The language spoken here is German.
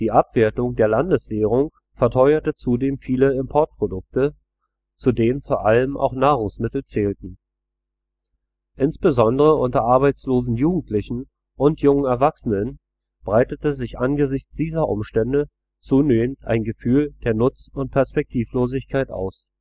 Abwertung der Landeswährung verteuerte zudem viele Importprodukte, zu denen vor allem auch Nahrungsmittel zählten. Insbesondere unter arbeitslosen Jugendlichen und jungen Erwachsenen breitete sich angesichts dieser Umstände zunehmend ein Gefühl der Nutz - und Perspektivlosigkeit aus